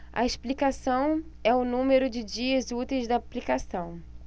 a explicação é o número de dias úteis da aplicação